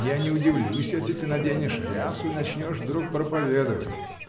Я не удивлюсь, если ты наденешь рясу и начнешь вдруг проповедовать.